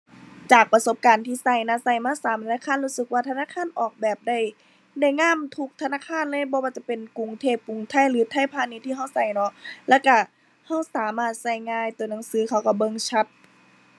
จากประสบการณ์ที่ใช้นะ ใช้มาสามธนาคาร รู้สึกว่าธนาคารออกแบบได้ ได้งามทุกธนาคารเลย บ่ว่าจะเป็นกรุงเทพ กรุงไทย หรือไทยพาณิชย์ ที่ใช้ใช้น้อ แล้วใช้ใช้สามารถใช้ง่าย ตัวหนังสือเขาใช้เบิ่งชัด